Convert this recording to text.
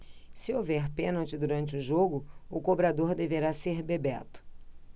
se houver pênalti durante o jogo o cobrador deverá ser bebeto